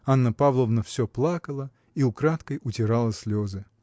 Анна Павловна все плакала и украдкой утирала слезы.